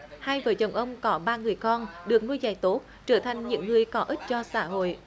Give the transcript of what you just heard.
hai vợ chồng ông có ba người con được nuôi dạy tốt trở thành những người có ích cho xã hội